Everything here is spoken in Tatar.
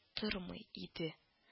Тормый иде